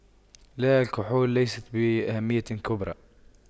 لا الكحول ليست بأهمية كبرى